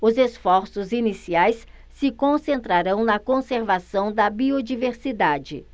os esforços iniciais se concentrarão na conservação da biodiversidade